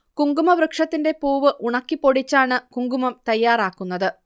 കുങ്കുമവൃക്ഷത്തിന്റെ പൂവ് ഉണക്കിപ്പൊടിച്ചാണ് കുങ്കുമം തയ്യാറാക്കുന്നത്